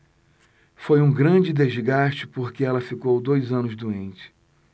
foi um grande desgaste porque ela ficou dois anos doente